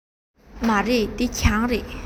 མ རེད འདི གྱང རེད